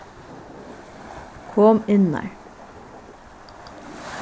kom innar